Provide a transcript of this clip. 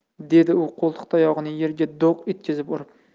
dedi u qo'ltiqtayog'ini yerga do'q etkizib urib